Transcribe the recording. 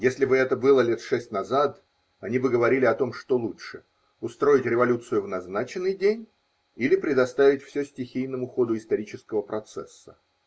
Если бы это было лет шесть назад, они бы говорили о том, что лучше: устроить революцию в назначенный день или предоставить все стихийному ходу исторического процесса.